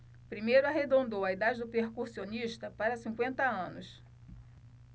primeiro arredondou a idade do percussionista para cinquenta anos